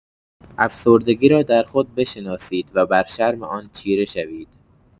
افسردگی را در خود بشناسید، و بر شرم آن چیره شوید.